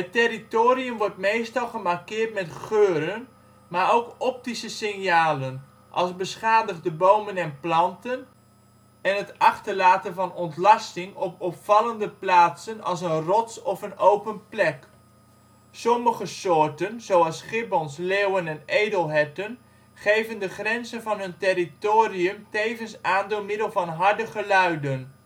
territorium wordt meestal gemarkeerd met geuren, maar ook optische signalen, als beschadigde bomen en planten en het achterlaten van ontlasting op opvallende plaatsen als een rots of een open plek. Sommige soorten, zoals gibbons, leeuwen en edelherten, geven de grenzen van hun territorium tevens aan door middel van harde geluiden